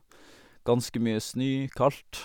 Ganske mye snø, kaldt.